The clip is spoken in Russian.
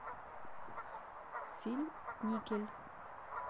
фильм никель